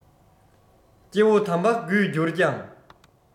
སྐྱེ བོ དམ པ རྒུད གྱུར ཀྱང